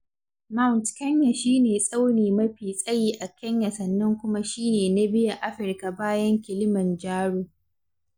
Mount Kenya shi ne tsauni mafi tsayi a Kenya sannan kuma shi ne na biyu a Afirka bayan Kilimanjaro.